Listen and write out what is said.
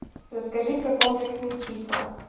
расскажи про комплексные числа